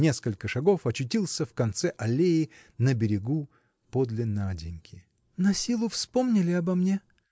в несколько шагов очутился в конце аллеи – на берегу подле Наденьки. – Насилу вспомнили обо мне!